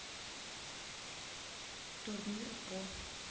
турнир по